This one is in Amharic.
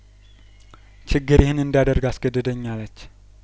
ችግር ይህን እንዳ ደርግ አስገደደኝ አለች